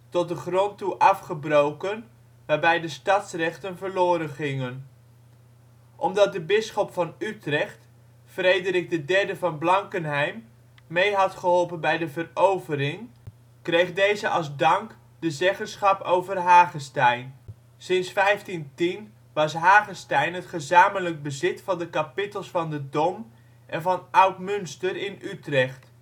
tot de grond toe afgebroken waarbij de stadsrechten verloren gingen. Omdat de bisschop van Utrecht, Frederik III van Blankenheim, mee had geholpen bij de verovering kreeg deze als dank de zeggenschap over Hagestein. Sinds 1510 was Hagestein het gezamenlijk bezit van de kapittels van de Dom en van Oud-Munster in Utrecht